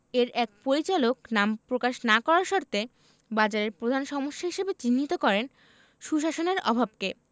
এর এক পরিচালক নাম প্রকাশ না করার শর্তে বাজারের প্রধান সমস্যা হিসেবে চিহ্নিত করেন সুশাসনের অভাবকে